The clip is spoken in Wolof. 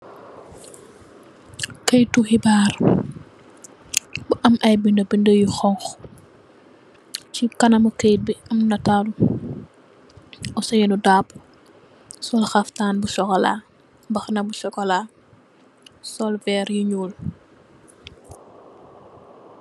Keitu khibarr bu am aiiy binda binda yu honhu, cii kanami keiti bii am naatalu ousainou darboe sol khaftan bu chocolat, mbahanah bu chocolat , sol vehrre yu njull.